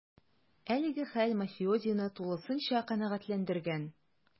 Әлеге хәл мафиозины тулысынча канәгатьләндергән: